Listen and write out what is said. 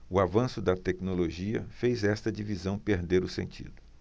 o avanço da tecnologia fez esta divisão perder o sentido